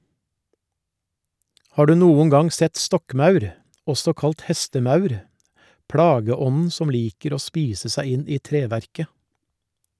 Har du noen gang sett stokkmaur, også kalt hestemaur, plageånden som liker å spise seg inn i treverket?